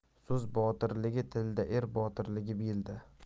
so'z botirligi tilda er botirligi belda